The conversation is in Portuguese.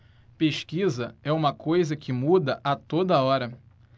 pesquisa é uma coisa que muda a toda hora